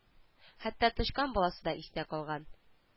Хәтта тычкан баласы да истә калган